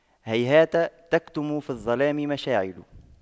هيهات تكتم في الظلام مشاعل